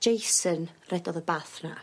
Jason redodd y bath na, i fi.